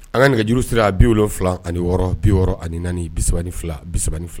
An nɛgɛjuru sira bifila ani wɔɔrɔ bi6 ani naani bi3 fila bisa fila